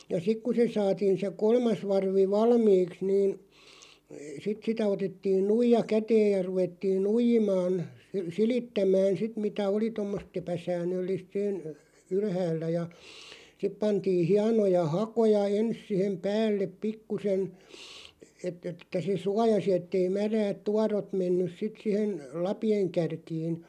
ja sitten kun se saatiin se kolmas varvi valmiiksi niin sitten sitä otettiin nuija käteen ja ruvettiin nuijimaan silittämään sitten mitä oli tuommoista epäsäännöllistä sen ylhäällä ja sitten pantiin hienoja hakoja ensin siihen päälle pikkuisen että että se suojasi että ei märät tuorot mennyt sitten siihen lapien kärkiin